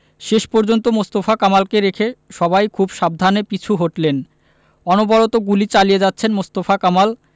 শেষ পর্যন্ত মোস্তফা কামালকে রেখে সবাই খুব সাবধানে পিছু হটলেন অনবরত গুলি চালিয়ে যাচ্ছেন মোস্তফা কামাল